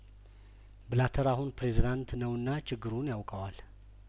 ብላተር አሁን ፕሬዚዳንት ነውና ችግሩን ያውቀዋል